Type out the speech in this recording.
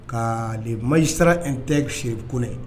Kaa le magistrat intègre Cherif Kone